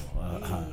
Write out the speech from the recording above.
Aa